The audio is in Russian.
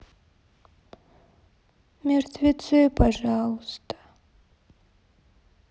мертвецы пожалуйста